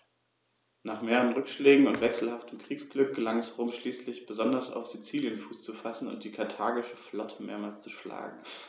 Nach mehreren Rückschlägen und wechselhaftem Kriegsglück gelang es Rom schließlich, besonders auf Sizilien Fuß zu fassen und die karthagische Flotte mehrmals zu schlagen.